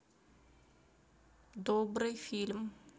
добрый фильм